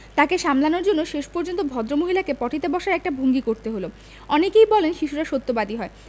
তাকে সামলাবার জন্যে শেষ পর্যন্ত ভদ্রমহিলাকে পটি তে বসার একটা ভঙ্গি করতে হল অনেকেই বলেন শিশুরা সত্যবাদী হয়